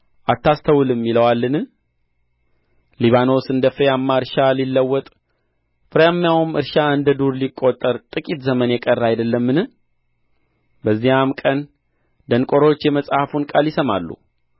አታስተውልም ይለዋልን ሊባኖስ እንደ ፍሬያማ እርሻ ሊለወጥ ፍሬያማውም እርሻ እንደ ዱር ሊቈጠር ጥቂት ዘመን የቀረ አይደለምን በዚያም ቀን ደንቆሮች የመጽሐፍን ቃል ይሰማሉ